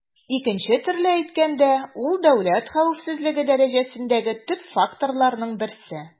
Икенче төрле әйткәндә, ул дәүләт хәвефсезлеге дәрәҗәсендәге төп факторларның берсе.